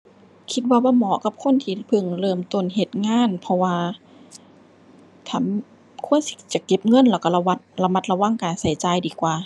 คิดว่าบ่เหมาะกับคนที่พึ่งเริ่มต้นเฮ็ดงาน เพราะว่าถ้าควรสิจะเก็บเงินแล้วก็ระวัด ระมัดระวังการก็จ่ายดีกว่า